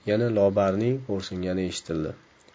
yana lobarning xo'rsingani eshitildi